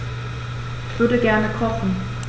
Ich würde gerne kochen.